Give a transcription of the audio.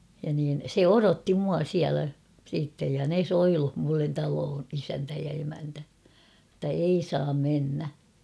ja niin se odotti minua siellä sitten ja ne soilusi minulle taloon isäntä ja emäntä että ei saa mennä